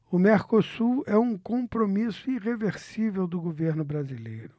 o mercosul é um compromisso irreversível do governo brasileiro